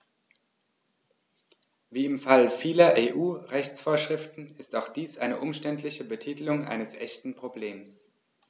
Wie im Fall vieler EU-Rechtsvorschriften ist auch dies eine umständliche Betitelung eines echten Problems.